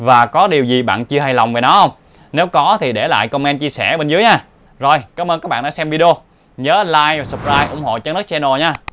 và có điều gì bạn chưa hài lòng về nó không nếu có thì hãy để lại comment chia sẻ bên dưới rồi cảm ơn các bạn đã xem video nhớ like và subscribe ủng hộ chân đất channel